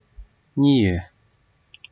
གཉིས ཡོད